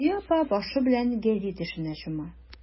Наҗия апа башы белән гәзит эшенә чума.